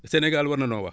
Sénégal war na noo wax